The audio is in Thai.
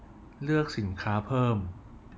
เลือกสินค้าเพิ่ม